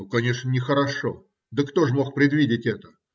- Конечно, нехорошо, да кто же мог предвидеть это?